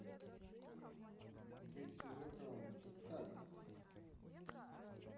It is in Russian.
выйти из аккаунта как